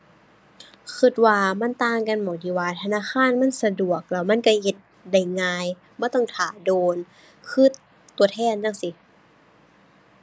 คิดว่ามันต่างกันหม้องที่ว่าธนาคารมันสะดวกแล้วมันคิดเฮ็ดได้ง่าย บ่ต้องท่าโดนคือตัวแทนจั่งซี้